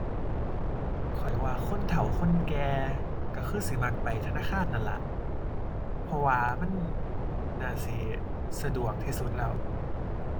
ข้อยว่าคนเฒ่าคนแก่ ก็คือสิมักไปธนาคารนั่นล่ะ เพราะว่ามันน่าสิสะดวกที่สุดแล้ว